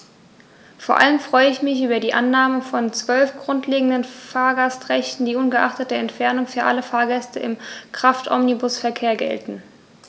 Vor allem freue ich mich über die Annahme von 12 grundlegenden Fahrgastrechten, die ungeachtet der Entfernung für alle Fahrgäste im Kraftomnibusverkehr gelten.